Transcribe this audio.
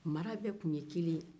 mara bɛɛ tun ye kelen ye